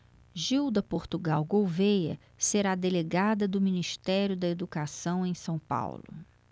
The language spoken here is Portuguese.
gilda portugal gouvêa será delegada do ministério da educação em são paulo